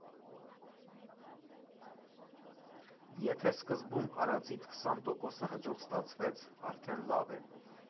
Եթե սկզբում արածիդ քսան տոկոսը հաջող ստացվեց, արդեն լավ է։